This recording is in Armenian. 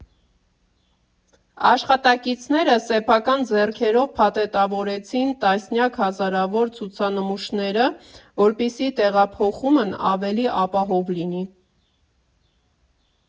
Աշխատակիցները սեփական ձեռքերով փաթեթավորեցին տասնյակ հազարավոր ցուցանմուշները, որպեսզի տեղափոխումն ավելի ապահով լինի։